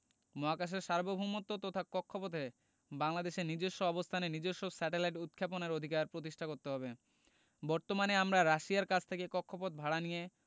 মহাকাশের সার্বভৌমত্ব তথা কক্ষপথে বাংলাদেশের নিজস্ব অবস্থানে নিজস্ব স্যাটেলাইট উৎক্ষেপণের অধিকার প্রতিষ্ঠা করতে হবে বর্তমানে আমরা রাশিয়ার কাছ থেকে কক্ষপথ ভাড়া নিয়ে